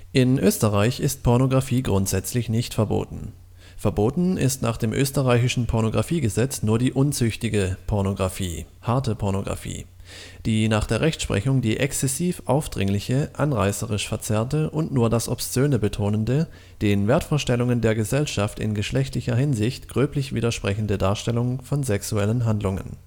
In Österreich ist Pornografie grundsätzlich nicht verboten. Verboten ist nach dem österreichischen Pornographiegesetz nur die unzüchtige Pornografie (harte Pornografie), die nach der Rechtsprechung die „ exzessiv aufdringliche, anreißerische verzerrte und nur das Obszöne betonende, den Wertvorstellungen der Gesellschaft in geschlechtlicher Hinsicht gröblich widersprechende Darstellung von sexuellen Handlungen